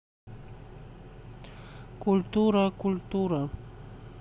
культура культура